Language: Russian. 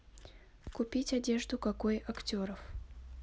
купить одежду какой актеров